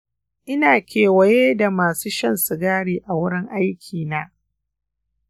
ina kewaye da masu shan sigari a wurin aikina.